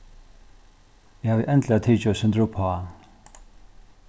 eg havi endiliga tikið eitt sindur uppá